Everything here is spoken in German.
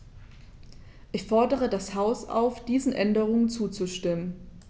Ich fordere das Haus auf, diesen Änderungen zuzustimmen.